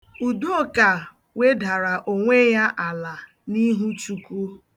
Udoka wedara onwe ala ya n'ihu Chukwu.